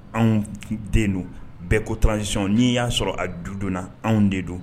Anw den don bɛɛ kotasi n'i y'a sɔrɔ a dudonna anw de don